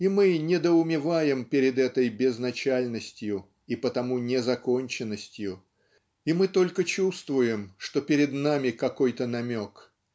и мы недоумеваем перед этой безначальностью и потому незаконченностью и мы только чувствуем что перед нами какой-то намек.